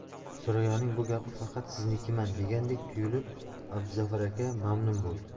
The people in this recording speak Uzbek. surayyoning bu gapi faqat siznikiman degandek tuyulib abduzafar aka mamnun bo'ldi